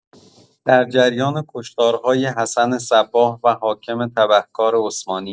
در جریان کشتارهای حسن صباح و حاکم تبهکار عثمانی